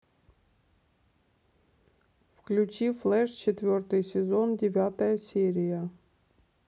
включи флэш четвертый сезон девятая серия